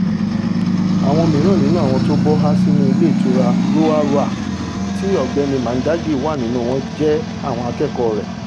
Àwọn mìíràn nínú àwọn tó bọ́há sínú Ilé Ìtura Roa Roa, tí Ọ̀gbẹ́ni Mandagi wà nínú wọn, jé àwọn akẹ́kọ̀ọ́ rẹ̀.